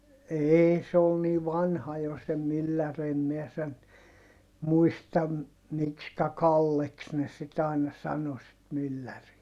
ei se oli niin vanha jo se mylläri en minä sen muista miksikä Kalleksi ne sitten aina sanoi sitten mylläriä